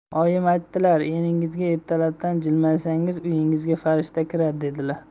oyim aytdilar eringizga ertalabdan jilmaysangiz uyingizga farishta kiradi dedilar